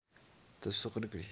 དེ སོག རིགས རེད